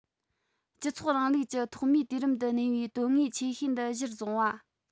སྤྱི ཚོགས རིང ལུགས ཀྱི ཐོག མའི དུས རིམ དུ གནས པའི དོན དངོས ཆེ ཤོས འདི གཞིར བཟུང བ